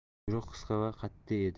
buyruq qisqa va qat'iy edi